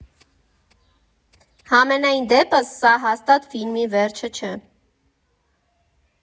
Համենայն դեպս, սա հաստատ ֆիլմի վերջը չէ։